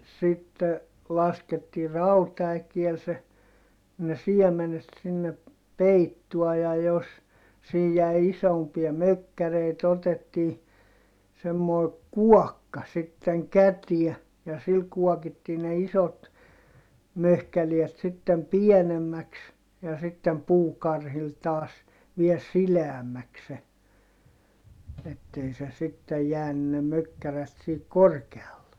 sitten laskettiin rautaäkeellä se ne siemenet sinne peittoon ja jos siinä jäi isompia mökkäreitä otettiin semmoinen kuokka sitten käteen ja sillä kuokittiin ne isot möhkäleet sitten pienemmäksi ja sitten puukarhilla taas vielä sileämmäksi se että ei se sitten jäänyt ne mökkäreet siihen korkealle